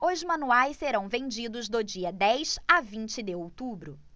os manuais serão vendidos do dia dez a vinte de outubro